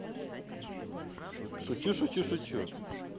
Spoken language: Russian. шучу шучу шучу